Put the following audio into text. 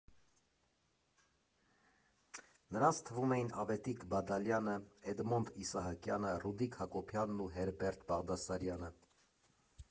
Նրանց թվում էին Ավետիք Բադալյանը, Էդմոնդ Իսահակյանը, Ռուդիկ Հակոբյանն ու Հերբերտ Բաղդասարյանը։